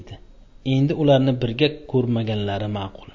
endi ularni birga ko'rmaganlari ma'qul